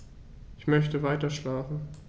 Ich möchte weiterschlafen.